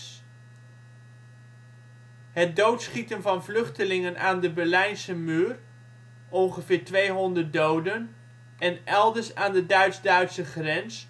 doodschieten van vluchtelingen aan de Berlijnse Muur (ongeveer 200 doden) en elders aan de Duits-Duitse grens